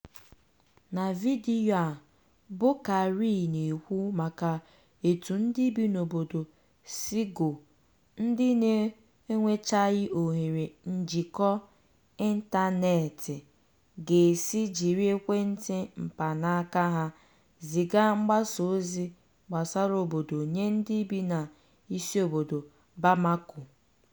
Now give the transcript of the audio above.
Na vidiyo a, Boukary na-ekwu maka etú ndị bi n'obodo Ségou, ndị na-enwechaghị ohere njịkọ ịntaneetị ga-esi jiri ekwentị mkpanaaka ha ziga mgbasaozi gbasara obodo nye ndị bi n'isiobodo Bamako.